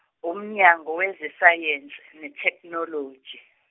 uMnyango wezeSayensi neTheknoloji.